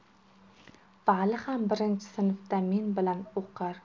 vali ham birinchi sinfda men bilan o'qir